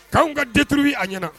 K'anw ka daturu a ɲɛna